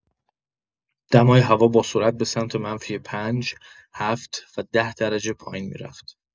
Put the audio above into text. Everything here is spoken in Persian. دمای هوا با سرعت به‌سمت منفی پنج، هفت و ده درجه پایین می‌رفت.